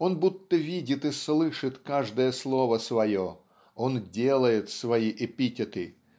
он будто видит и слышит каждое слово свое он делает свои эпитеты